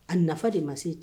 A nafa de ma se